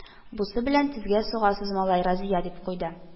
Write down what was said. Бусы белән тезгә сугасыз, малай, Разия, дип куйды